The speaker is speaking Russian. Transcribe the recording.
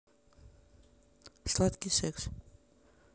сладкий секс